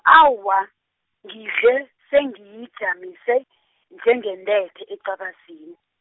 awa, ngidle, sengiyijamise, njengentethe ecabazini.